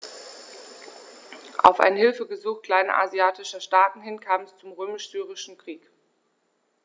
Auf ein Hilfegesuch kleinasiatischer Staaten hin kam es zum Römisch-Syrischen Krieg.